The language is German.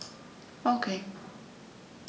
Okay.